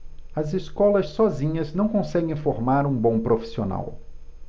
as escolas sozinhas não conseguem formar um bom profissional